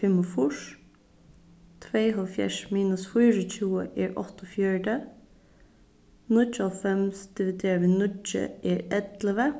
fimmogfýrs tveyoghálvfjerðs minus fýraogtjúgu er áttaogfjøruti níggjuoghálvfems dividerað við níggju er ellivu